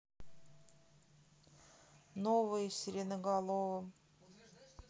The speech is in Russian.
новые сиреноголовым